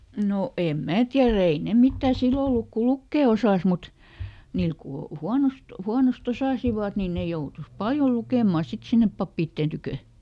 no en minä tiedä ei ne mitään silloin ollut kun lukea osasi mutta niillä kun huonosti huonosti osasivat niin ne joutui paljon lukemaan sitten sinne pappien tykö